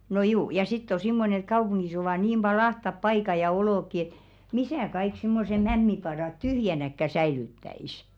no juu ja sitten on semmoinen että kaupungissa ovat niin paljon ahtaat paikat ja olotkin että missä kaikki semmoiset mämmipadat tyhjänäkään säilyttäisi